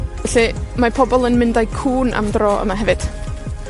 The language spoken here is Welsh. Felly, mae pobol yn mynd â'u cŵn am dro yma hefyd.